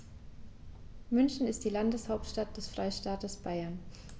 München ist die Landeshauptstadt des Freistaates Bayern.